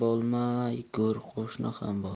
bo'lma go'r qo'shni ham bo'lma